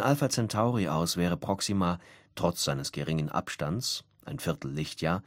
Alpha Centauri aus wäre Proxima trotz seines geringen Abstands (ein Viertel-Lichtjahr)